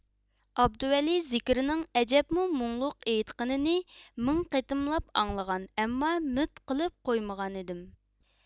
ئابدۇۋەلى زېكرىنىڭ ئەجەبمۇ مۇڭلۇق ئېيتقىنىنى مىڭ قېتىملاپ ئاڭلىغان ئەمما مىت قىلىپ قويمىغانىدىم